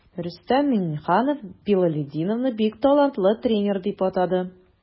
Рөстәм Миңнеханов Билалетдиновны бик талантлы тренер дип атады.